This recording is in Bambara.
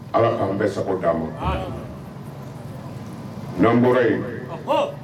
Ala k'an bɛ sago d di' ma n'an bɔra yen